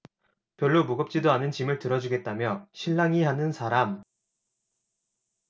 별로 무겁지도 않은 짐을 들어주겠다며 실랑이 하는 사람